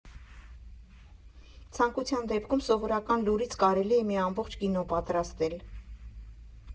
Ցանկության դեպքում սովորական լուրից կարելի է մի ամբողջ կինո պատրաստել»։